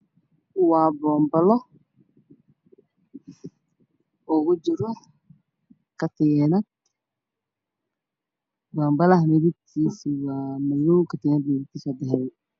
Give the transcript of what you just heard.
Waa boon balo ugu jiro katiinad boon balaha midabkiisu waa madaw katiinadana waa dahabi